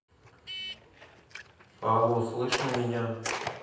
алло слышно меня